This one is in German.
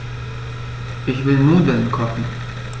Ich will Nudeln kochen.